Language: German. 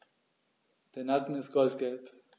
Der Nacken ist goldgelb.